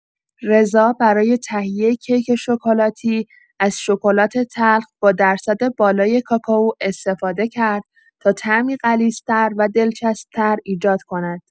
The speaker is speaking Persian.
رضا برای تهیه کیک شکلاتی از شکلات تلخ با درصد بالای کاکائو استفاده کرد تا طعمی غلیظ‌تر و دلچسب‌تر ایجاد کند.